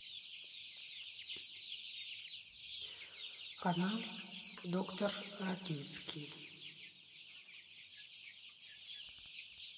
канал доктор ракицкий